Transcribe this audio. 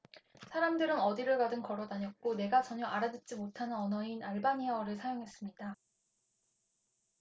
사람들은 어디를 가든 걸어 다녔고 내가 전혀 알아듣지 못하는 언어인 알바니아어를 사용했습니다